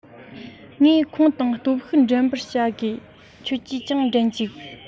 ངས ཁོང དང སྟོབས ཤུགས འགྲན པར བྱ དགོས ཁྱེད ཀྱིས ཀྱང འགྲན ཅིག